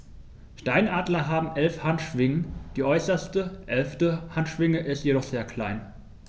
Steinadler haben 11 Handschwingen, die äußerste (11.) Handschwinge ist jedoch sehr klein.